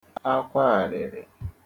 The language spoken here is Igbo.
akwa arịrị